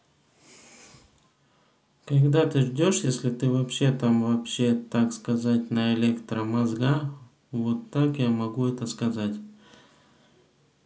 как ты ждешь если ты вообще там вообще так сказать на электро мозга вот так я могу это сказать